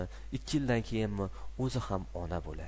ikki yildan keyinmi o'zi ham ona bo'ladi